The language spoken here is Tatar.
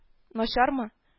Начармы